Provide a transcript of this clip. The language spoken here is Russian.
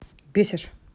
бесишь